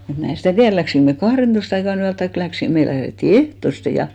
mutta minä en sitä tiedä lähdimmekö me kahdentoista aikaan yöllä tai lähdimme me lähdettiin ehtoisin ja